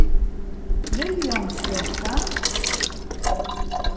viljormsgøta